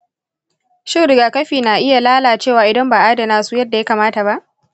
shin rigakafi na iya lalacewa idan ba a adana su yadda ya kamata ba?